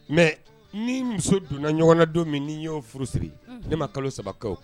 Mɛ ni muso donnana ɲɔgɔnna don min'i y'o furu siri ne ma kalo saba kɛ kan